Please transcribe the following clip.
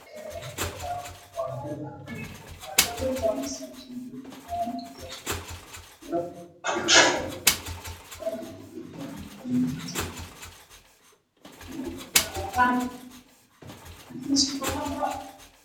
Waa wado la dhisaayo niman ayaa jooga